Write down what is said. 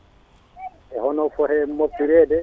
e hono fote moftirede